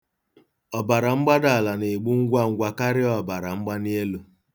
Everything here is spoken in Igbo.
Ọbaramgbaala na-egbu ngwa ngwa karia ọbaramgbalielu.